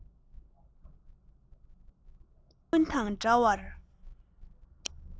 བྱིས པ ཀུན དང འདྲ བར